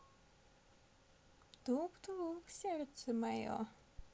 тук тук сердце мое